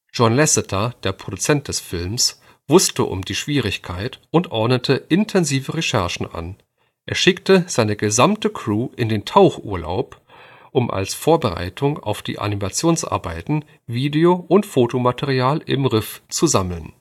John Lasseter, der Produzent des Films, wusste um diese Schwierigkeit und ordnete intensive Recherchen an. Er schickte seine gesamte Crew in den Tauchurlaub, um als Vorbereitung auf die Animationsarbeiten Video - und Fotomaterial im Riff zu sammeln